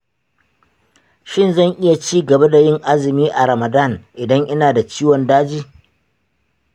shin zan iya ci gaba da yin azumi a ramadan idan ina da ciwon daji?